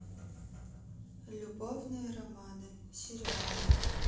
любовные романы сериалы